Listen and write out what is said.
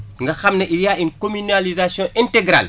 nga xam ne il y' a une communalisation intégrale